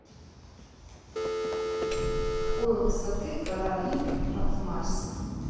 какой высоты гора лип в марсе